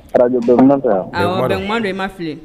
Ara mɔkuma de ma fili